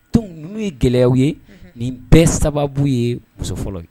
N' ye gɛlɛya ye nin bɛɛ sababu ye muso fɔlɔ ye